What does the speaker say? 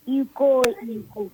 I ko i